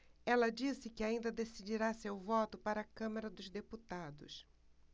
ela disse que ainda decidirá seu voto para a câmara dos deputados